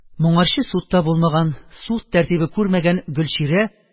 Моңарчы судта булмаган, суд тәртибе күрмәгән Гөлчирә